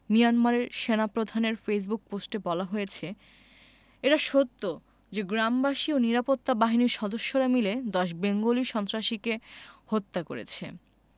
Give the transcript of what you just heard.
মিয়ানমারের সেনাপ্রধানের ফেসবুক পোস্টে বলা হয়েছে এটা সত্য যে গ্রামবাসী ও নিরাপত্তা বাহিনীর সদস্যরা মিলে ১০ বেঙ্গলি সন্ত্রাসীকে হত্যা করেছে